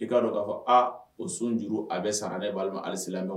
I k'a dɔn k'a fɔ aa o sunj a bɛ san ale b' ali wa